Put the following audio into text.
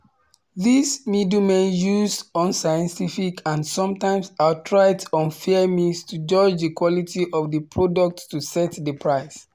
These middlemen used unscientific and sometimes outright unfair means to judge the quality of the product to set the price.